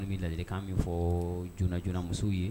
Hali min deli de kkan min fɔ j joonamuso ye